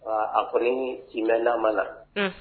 Aa a kɔni t'i mɛn na mana .